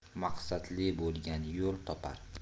maqsadli bo'lgan yo'l topar